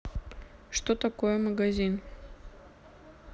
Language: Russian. что такое магазин